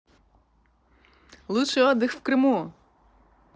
лучший отдых в крыму